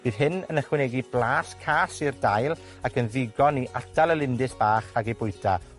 Bydd hyn yn ychwanegu blas cas i'r dail, ac yn ddigon i ardal y lindys bach rhag 'i bwyta.